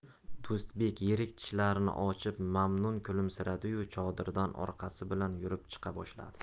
do'stbek yirik tishlarini ochib mamnun kulimsiradi yu chodirdan orqasi bilan yurib chiqa boshladi